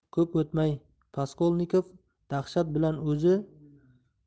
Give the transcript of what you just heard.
ko'p o'tmay raskolnikov dahshat bilan o'zi